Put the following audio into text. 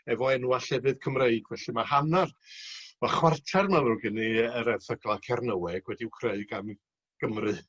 efo enwa' llefydd Cymreig felly ma' hannar ma' chwarter ma'n ddrwg gen i y yr erthygla Cernyweg wedi'w creu gan Gymry.